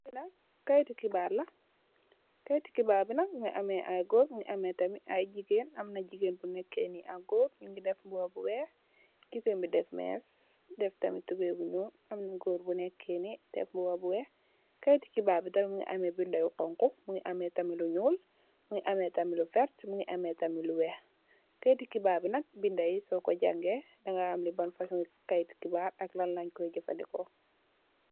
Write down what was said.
Lii nak ay kayiti xibaar la, kayiti xibaar bi nak mingi ame goor, ak mingi ame tamit jigeen, am na jigeen bu nekke ni ak goor, nyingi def mbuba bu weex, jigeen bi def mees, def tamit tubay bu nyuul, goor bu nekke ni, def mbuba bu weex, kayiti xibaar bi tamit mingi ame binda yu xonxu, mingi ame lu nyuul, mi ngi ame tamit lu verte, mingi ame tamit lu weex, kayiti xibaar yi sdo ko jange di xam li ban fason ngi kayiti xibaar ak lan nga koy jafandiko.